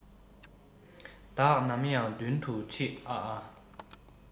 བདག ནམ ཡང མདུན དུ ཁྲིད ཨ ཨ